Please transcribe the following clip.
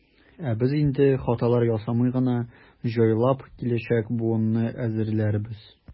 Ә без инде, хаталар ясамый гына, җайлап киләчәк буынны әзерләрбез.